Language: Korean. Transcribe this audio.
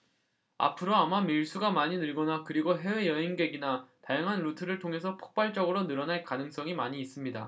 앞으로 아마 밀수가 많이 늘거나 그리고 해외 여행객이나 다양한 루트를 통해서 폭발적으로 늘어날 가능성이 많이 있습니다